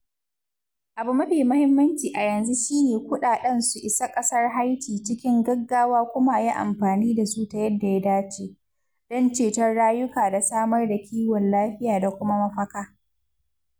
Abu mafi muhimmanci a yanzu shi ne kuɗaɗen su isa ƙasar Haiti cikin gaggawa kuma a yi amfani da su ta yadda ya dace, don ceton rayuka da samar da kiwon lafiya da kuma mafaka.